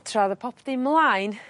tra o'dd y popdŷ mlaen